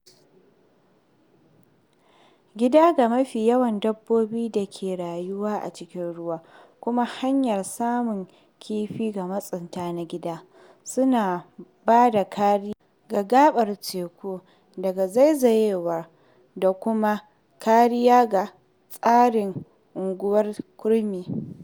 Gida ga mafi yawan dabbobin da ke rayuwa a cikin ruwa (kuma hanyar samun kifi ga masunta na gida), suna ba da kariya ga gaɓar teku daga zaizayewa da kuma kariya ga tasirin guguwar kurmi.